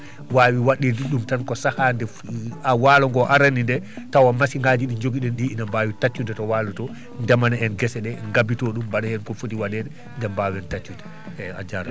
wawa waɗirde ɗum tan ko sahaa nde f walo ngo arani nde tawa massiŋaji ɗi jogi ɗen ɗi ina mbawi taccude to walo to ndeemana en guesse ɗe gaabito ɗum mbaɗaheen ko foti waɗede nde mbawen taccude eeyi a jarama